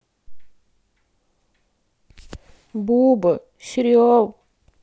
буба сериал